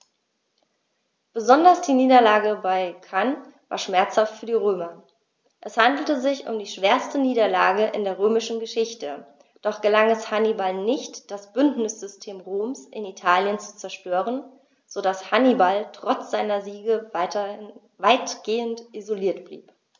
Besonders die Niederlage bei Cannae war schmerzhaft für die Römer: Es handelte sich um die schwerste Niederlage in der römischen Geschichte, doch gelang es Hannibal nicht, das Bündnissystem Roms in Italien zu zerstören, sodass Hannibal trotz seiner Siege weitgehend isoliert blieb.